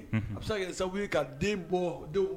Unhun a be se ka kɛ sababu ye ka den bɔ denw